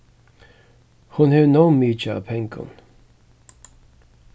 hon hevur nóg mikið av pengum